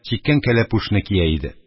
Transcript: Чиккән кәләпүшене кия иде.